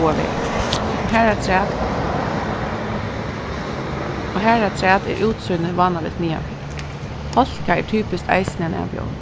báðar vegir og har afturat og har afturat er útsýnið vánaligt niðanfyri hálka er typiskt eisini ein avbjóðing